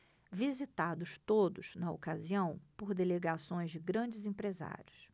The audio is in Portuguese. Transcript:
visitados todos na ocasião por delegações de grandes empresários